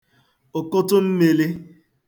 ụ̀kụtụ mmīlī